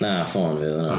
Na, ffôn fi oedd hwnna.